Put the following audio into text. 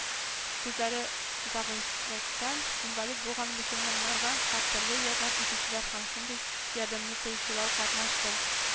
Күзләре зәгыйфьлектән инвалид булган мөселманнарга һәртөрле ярдәм итүчеләр һәм шундый ярдәмне тоючылар катнашты